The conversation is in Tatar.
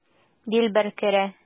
Дилбәр керә.